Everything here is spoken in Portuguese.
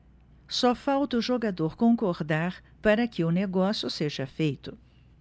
só falta o jogador concordar para que o negócio seja feito